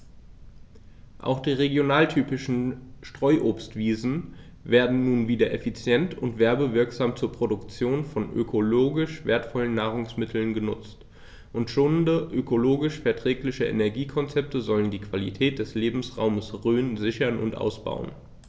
Auch die regionaltypischen Streuobstwiesen werden nun wieder effizient und werbewirksam zur Produktion von ökologisch wertvollen Nahrungsmitteln genutzt, und schonende, ökologisch verträgliche Energiekonzepte sollen die Qualität des Lebensraumes Rhön sichern und ausbauen.